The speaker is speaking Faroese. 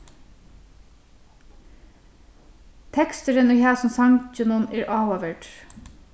teksturin í hasum sanginum er áhugaverdur